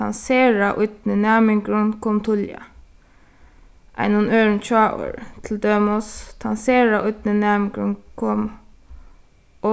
tann sera ídni næmingurin kom tíðliga einum øðrum hjáorði til dømis tann sera ídni næmingurin kom